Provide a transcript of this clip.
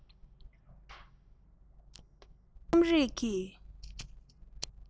ཁྱོད རང རྩོམ རིག གི